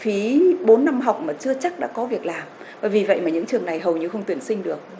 phí bốn năm học mà chưa chắc đã có việc làm và vì vậy mà những trường này hầu như không tuyển sinh được